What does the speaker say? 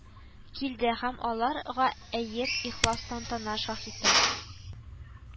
Килде һәм алар га әеп ихлас тантана шаһиты